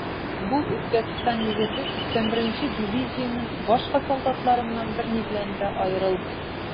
Бу Үзбәкстан егете 81 нче дивизиянең башка солдатларыннан берни белән дә аерылмый.